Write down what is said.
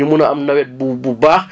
ñu mun a am nawet bu bu baax